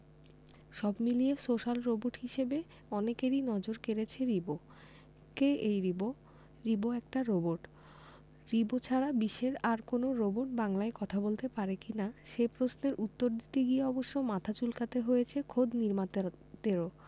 সব মিলিয়ে social robot হিসেবে অনেকেরই নজর কেড়েছে রিবো কে এই রিবো রিবো একটা রোবট রিবো ছাড়া বিশ্বের আর কোনো রোবট বাংলায় কথা বলতে পারে কি না সে প্রশ্নের উত্তর দিতে গিয়ে অবশ্য মাথা চুলকাতে হয়েছে খোদ নির্মাতাদেরও